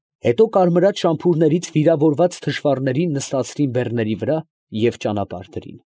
Հետո կարմրած շամփուրներից վիրավորված թշվառներին նստացրին բեռների վրա և ճանապարհ դրին։